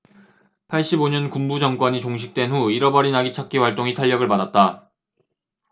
팔십 오 년 군부 정권이 종식된 후 잃어버린 아기 찾기 활동이 탄력을 받았다